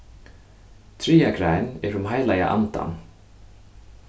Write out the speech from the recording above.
triðja grein er um heilaga andan